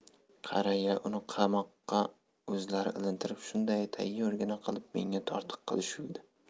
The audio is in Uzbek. qara ya uni qarmoqqa o'zlari ilintirib shunday tayyorgina qilib menga tortiq qilishuvdi